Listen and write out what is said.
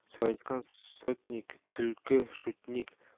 Саескан сотник, төлке шутник